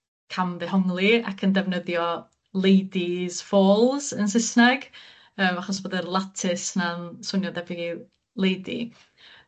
camddehongli ac yn defnyddio lady's falls yn Sysneg yym achos bod yr lattice 'na'n swnio'n debyg i lady.